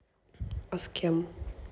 а с кем